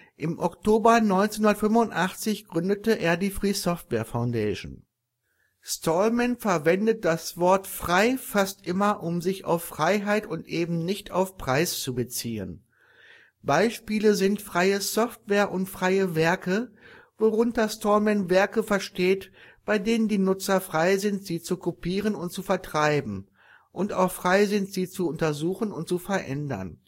im Oktober 1985 gründete er die Free Software Foundation. Stallman verwendet das Wort " frei "(" free ") fast immer um sich auf Freiheit und eben nicht auf Preis zu beziehen. Beispiele sind " Freie Software " und " Freie Werke ", worunter Stallman Werke meint, bei denen die Nutzer frei sind sie zu kopieren und vertreiben, und auch frei sind sie zu untersuchen und zu ändern